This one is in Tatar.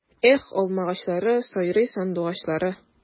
Эх, алмагачлары, сайрый сандугачлары!